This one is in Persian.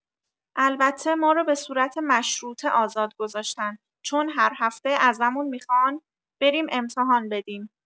البته ما رو به صورت مشروطه آزاد گذاشتن، چون هر هفته ازمون میخوان بریم امتحان بدیم.